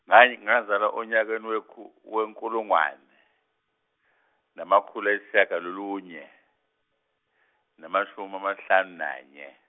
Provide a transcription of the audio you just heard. nga- ngazalwa onyakeni wekhul- wenkulungwane, namakhulu ayisishagalolunye, namashumi amahlanu nanye.